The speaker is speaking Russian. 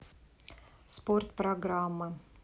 спорт программы